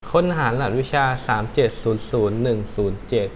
ค้นหารหัสวิชาสามเจ็ดศูนย์ศูนย์หนึ่งศูนย์เจ็ด